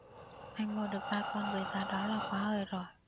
anh mua được ba con với giá đó là quá hời rồi